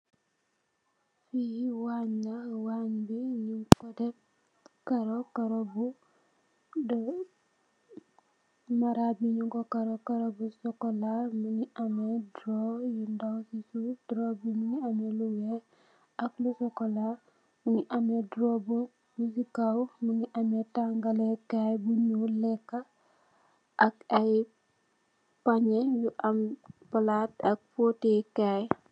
Fii wanj la, wanj bi nyun ko def karo, karo bu, maraaj bi nyun ko karo, karo bu sokola, mingi ame ay doro yu ndaw si suuf, doro bi mingi ame lu weex, ak lu sokola, mingi ame doro bu, bu si kaw mingi ame tangalekaay bu nyo lekk, ak ay panye yu am palaat ak potikaay.